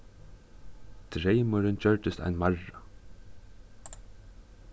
dreymurin gjørdist ein marra